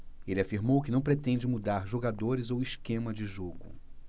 ele afirmou que não pretende mudar jogadores ou esquema de jogo